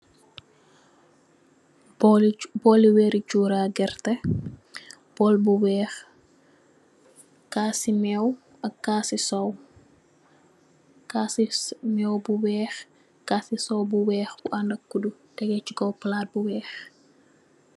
Bolli werr chora girteh boll bou weck kassi mew ak kassi sow bou weck teggou ci kaw palat bou weck andack ak kudou